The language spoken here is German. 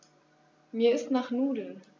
Mir ist nach Nudeln.